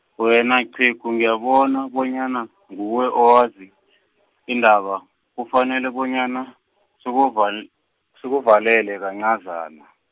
wena qhegu ngiyabona bonyana , nguwe owazi, indaba, kufanele bonyana sikuval- sikuvalele kancazana.